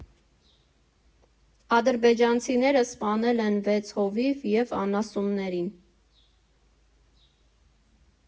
Ադրբեջանցիները սպանել են վեց հովիվ և անասուններին։